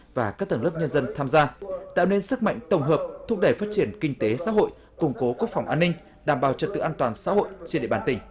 và các tầng lớp nhân dân tham gia tạo nên sức mạnh tổng hợp thúc đẩy phát triển kinh tế xã hội củng cố quốc phòng an ninh đảm bảo trật tự an toàn xã hội trên địa bàn tỉnh